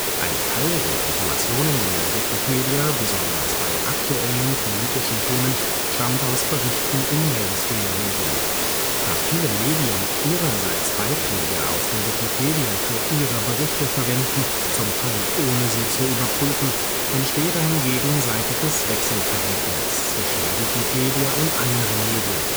Ein Teil der Informationen in der Wikipedia, besonders bei aktuellen politischen Themen, stammt aus Berichten in Mainstream-Medien. Da viele Medien ihrerseits Beiträge aus der Wikipedia für ihre Berichte verwenden, zum Teil ohne sie zu überprüfen, entsteht ein gegenseitiges Wechselverhältnis zwischen Wikipedia und anderen Medien